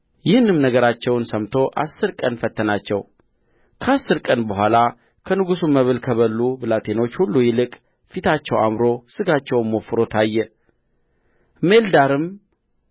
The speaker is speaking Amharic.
ይህንም ነገራቸውን ሰምቶ አሥር ቀን ፈተናቸው ከአሥር ቀንም በኋላ ከንጉሡ መብል ከበሉ ብላቴኖች ሁሉ ይልቅ ፊታቸው አምሮ ሥጋቸውም ወፍሮ ታየ ሜልዳርም